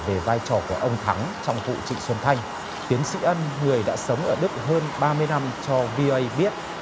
về vai trò của ông thắng trong vụ trịnh xuân thanh tiến sĩ ân người đã sống ở đức hơn ba mươi năm cho vi ây biết